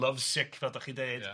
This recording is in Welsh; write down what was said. ... lovesick fel dach chi'n deud.... ia